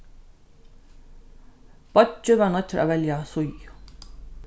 beiggin varð noyddur at velja síðu